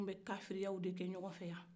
an kun bɛ kariyaw kɛ ɲɔgɔfɛ